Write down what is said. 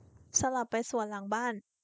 สลับไปสวนหลังบ้าน